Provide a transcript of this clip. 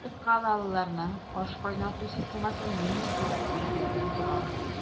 Умырткалыларның ашкайнату системасы нинди төп бүлекләрдән тора?